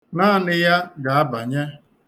Naanị ya ga-abanye.